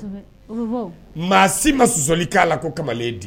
Sa fɛ, o bɛ bɔ wo, maa si ma susɔli k'a la ko kamalen